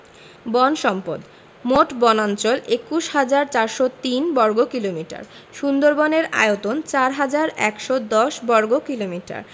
বন সম্পদঃ মোট বনাঞ্চল ২১হাজার ৪০৩ বর্গ কিলোমিটার সুন্দরবনের আয়তন ৪হাজার ১১০ বর্গ কিলোমিটার